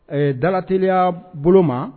Dalaeliya bolo ma